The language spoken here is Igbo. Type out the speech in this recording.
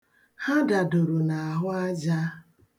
Ha dadoro n'ahụaja.